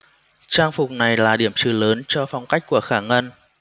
trang phục này là điểm trừ lớn cho phong cách của khả ngân